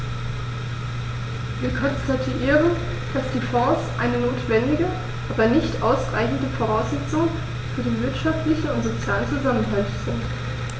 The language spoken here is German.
Wir konstatieren, dass die Fonds eine notwendige, aber nicht ausreichende Voraussetzung für den wirtschaftlichen und sozialen Zusammenhalt sind.